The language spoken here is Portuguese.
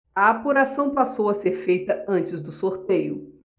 a apuração passou a ser feita antes do sorteio